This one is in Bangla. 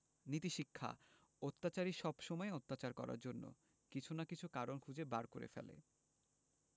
নীতিশিক্ষাঃ অত্যাচারী সবসময়ই অত্যাচার করার জন্য কিছু না কিছু কারণ খুঁজে বার করে ফেলে